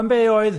Yn be oedd?